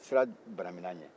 u ye sira banabili a ɲɛ